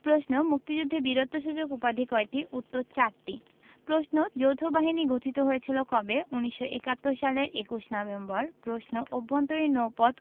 প্রশ্ন মুক্তিযুদ্ধে বীরত্বসূচক উপাধি কয়টি উত্তর চারটি প্রশ্ন যৌথবাহিনী গঠিত হয়েছিল কবে উত্তর ১৯৭১ সালের ২১ নভেম্বর প্রশ্ন আভ্যন্তরীণ নৌপথ